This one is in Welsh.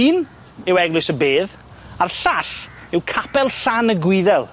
Un yw Eglwys y Bedd a'r llall yw Capel Llan y Gwyddel.